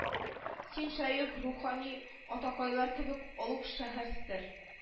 Син шәех рухани атакайлар кебек олуг шәхестер